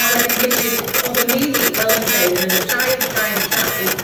A wedyn ges i'r... Odd 'ym myd i, fel o'n i'n deud, yn mynd yn llai ac yn llai ac yn llai